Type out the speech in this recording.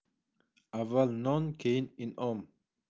avval non keyin in'om